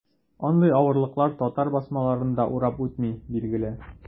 Андый авырлыклар татар басмаларын да урап үтми, билгеле.